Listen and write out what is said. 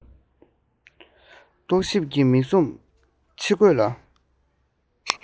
རྟོག ཞིབ ཀྱི མིག ཟུང ཕྱེ དགོས ལ